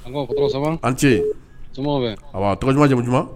An ce tɔgɔj jamu duman